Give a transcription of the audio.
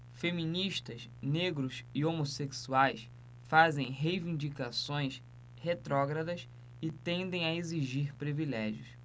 feministas negros e homossexuais fazem reivindicações retrógradas e tendem a exigir privilégios